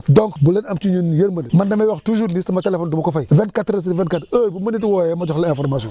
donc bu leen am ci ñun yërmande man damay wax toujours ni sama téléphone du ma ko fay vingt quatre heures sur vingt quatre heure bu ma nit woowee ma jox la information